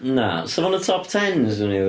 Na. 'Sa fo'n y top ten 'swn i fatha...